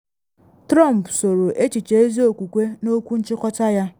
Trump soro echiche ezi okwukwe n’okwu nchịkọta ya.